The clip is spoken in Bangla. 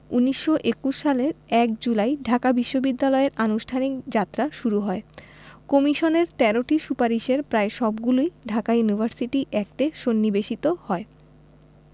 ১৯২১ সালের ১ জুলাই ঢাকা বিশ্ববিদ্যালয়ের আনুষ্ঠানিক যাত্রা শুরু হয় কমিশনের ১৩টি সুপারিশের প্রায় সবগুলিই ঢাকা ইউনিভার্সিটি অ্যাক্টে সন্নিবেশিত হয়